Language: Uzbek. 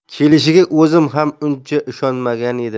kelishiga o'zim ham uncha ishonmagan edim